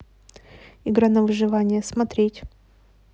игра на выживание смотреть